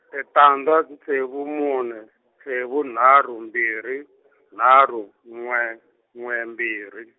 e tandza ntsevu mune, tsevu nharhu mbirhi, nharhu n'we n'we mbirhi.